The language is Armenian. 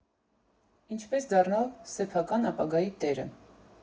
Ինչպես դառնալ սեփական ապագայի տերը։